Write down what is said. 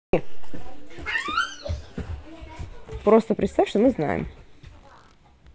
просто представь что мы знаем